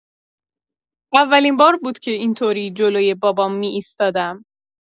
اولین بار بود که این‌طوری جلوی بابام می‌ایستادم.